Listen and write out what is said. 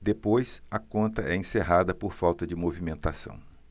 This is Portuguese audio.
depois a conta é encerrada por falta de movimentação